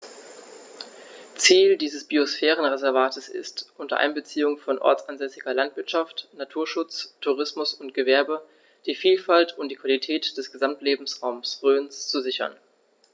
Ziel dieses Biosphärenreservates ist, unter Einbeziehung von ortsansässiger Landwirtschaft, Naturschutz, Tourismus und Gewerbe die Vielfalt und die Qualität des Gesamtlebensraumes Rhön zu sichern.